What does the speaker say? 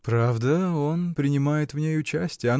Правда, он принимает в ней участие